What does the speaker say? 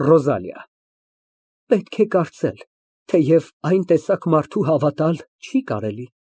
ՌՈԶԱԼԻԱ ֊ Պետք է կարծել, թեև այն տեսակ մարդու հավատալ չի կարելի։